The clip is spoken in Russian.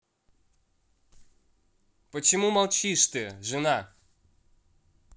почему молчишь ты жена